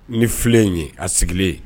Ni filen ye, a sigilen